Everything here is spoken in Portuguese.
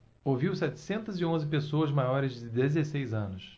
ouviu setecentos e onze pessoas maiores de dezesseis anos